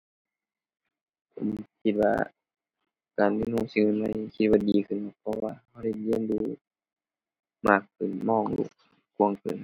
ผมคิดว่าการเรียนรู้สิ่งใหม่ใหม่คิดว่าดีขึ้น เพราะว่าเราได้เรียนรู้มากขึ้น มองโลกกว้างขึ้น